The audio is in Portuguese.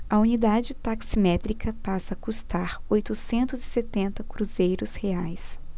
a unidade taximétrica passa a custar oitocentos e setenta cruzeiros reais